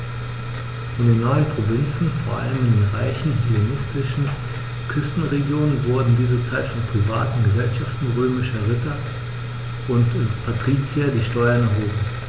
In den neuen Provinzen, vor allem in den reichen hellenistischen Küstenregionen, wurden in dieser Zeit von privaten „Gesellschaften“ römischer Ritter und Patrizier die Steuern erhoben.